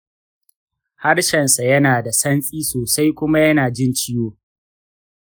harshensa yana da santsi sosai kuma yana jin ciwo.